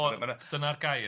O, dyna'r gair.